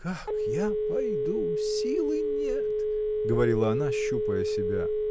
— Как я пойду, силы нет, — говорила она, щупая себя.